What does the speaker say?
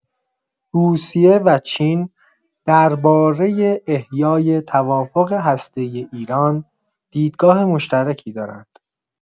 روسیه و چین درباره احیای توافق هسته‌ای ایران دیدگاه مشترکی دارند.